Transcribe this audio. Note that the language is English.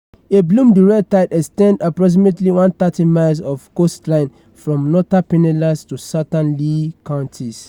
A bloom the Red Tide extends approximately 130 miles of coastline from northern Pinellas to southern Lee counties.